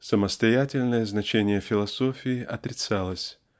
самостоятельное значение философии отрицалось